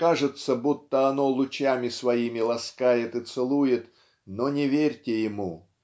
Кажется, будто оно лучами своими ласкает и целует, но не верьте ему